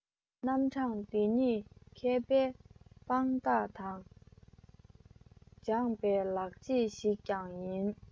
རྣམ གྲངས འདི ཉིད མཁས པའི དཔང རྟགས དང མཛངས པའི ལག རྗེས ཤིག ཀྱང ཡིན